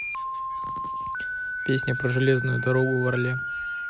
песня про железную дорогу в орле